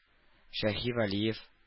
Шаһивәлиев